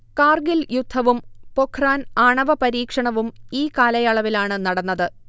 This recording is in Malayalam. കാർഗിൽ യുദ്ധവും പൊഖ്റാൻ ആണവ പരീക്ഷണവും ഈ കാലയളവിലാണ് നടന്നത്